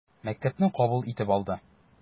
Мәктәпне кабул итеп алды.